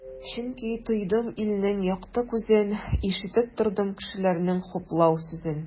Чөнки тойдым илнең якты күзен, ишетеп тордым кешеләрнең хуплау сүзен.